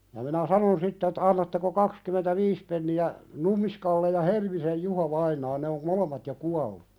ja minä sanoin sitten että annatteko kaksikymmentäviisi penniä Nummiskalle ja Helmisen Juhovainaalle ne on molemmat jo kuolleet